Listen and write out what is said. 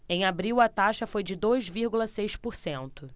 em abril a taxa foi de dois vírgula seis por cento